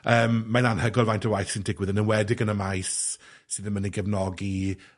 Yym mae'n anhygoel faint o waith sy'n digwydd yn enwedig yn y maes sydd yn myn' i gefnogi